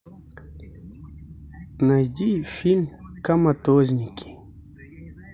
найди фильм коматозники